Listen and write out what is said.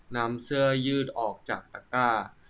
นำเสื้อยืดออกจากตะกร้า